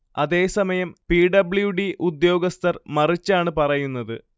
അതേ സമയം P. W. D ഉദ്യോഗസ്ഥർ മറിച്ചാണ് പറയുന്നത്